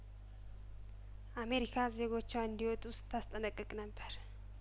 አሜሪካ ዜጐቿ እንዲወጡ ስታስጠነቅቅ ነበር